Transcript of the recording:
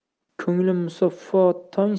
ko'nglim musaffo tong